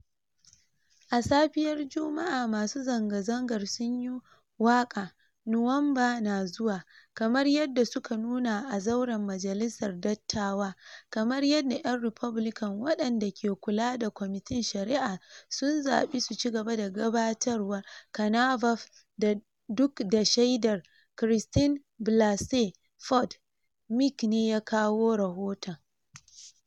A safiyar Jumma'a, masu zanga-zangar sun yi waka "Nuwamba na zuwa!" kamar yadda suka nuna a zauren majalisar dattawa kamar yadda 'yan Republican waɗanda ke kula da kwamitin Shari'a sun zabi su cigaba da gabatarwar Kavanaugh duk da shaidar Dr. Christine Blasey Ford, Mic ne ya kawo rohoton.